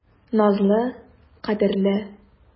Назлы, кадерле.